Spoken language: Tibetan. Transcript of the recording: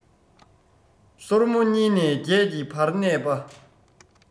སོར མོ གཉིས ནས བརྒྱད ཀྱི བར གནས པ